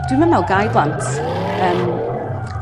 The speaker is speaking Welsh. Dwi'm yn me'wl ga'i blant. Yym